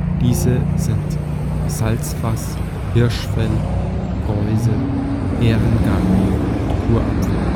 Diese sind Salzfass, Hirschfell, Reuse, Ährengarbe und Kurapfel